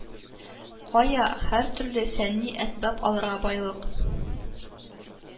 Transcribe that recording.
Кая һәртөрле фәнни әсбап алырга байлык